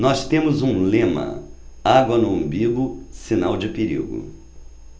nós temos um lema água no umbigo sinal de perigo